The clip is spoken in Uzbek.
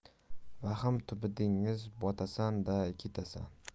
vahm tubi dengiz botasan da ketasan